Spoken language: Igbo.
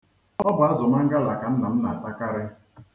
Ọ bụ azụ mangala ka nna m na-atakarị.